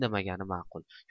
indamagani ma'qul